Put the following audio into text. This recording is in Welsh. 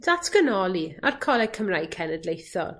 Datganoli a'r Coleg Cymraeg Cenedlaethol.